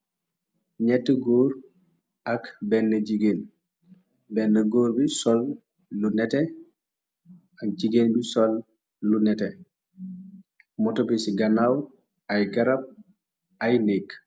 Nyett góor ak benn jigéen benn góor bi sol lu nete ak jigéen bi sol lu nete motobi ci ganaaw ay garab ay nékk.